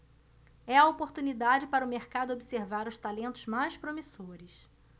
é a oportunidade para o mercado observar os talentos mais promissores